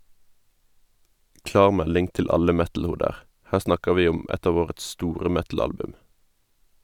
Klar melding til alle metalhoder; her snakker vi om ett av årets store metalalbum!